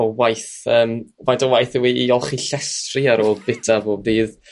o waith yym faint o waith yw e i olchi llestri ar ôl byta pob dydd